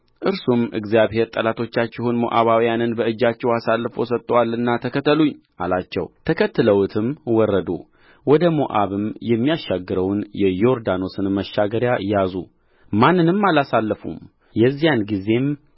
እርሱም እግዚአብሔር ጠላቶቻችሁን ሞዓባውያንን በእጃችሁ አሳልፎ ሰጥቶአልና ተከተሉኝ አላቸው ተከትለውትም ወረዱ ወደ ሞዓብም የሚያሻግረውን የዮርዳኖስን መሻገርያ ያዙ ማንንም አላሳለፉም የዚያን ጊዜም